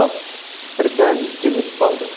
atrof birdan jimib qoldi